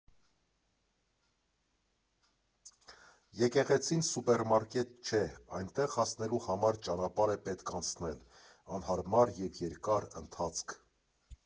Եկեղեցին սուպերմարկետ չէ, այնտեղ հասնելու համար ճանապարհ է պետք անցնել, անհարմար և երկար ընթացք։